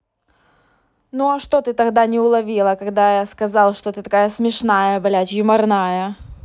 ну а что ты тогда не уловила когда я сказал что ты такая смешная блядь юморная